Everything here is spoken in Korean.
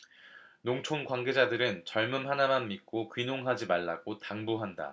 농촌 관계자들은 젊음 하나만 믿고 귀농하지 말라고 당부한다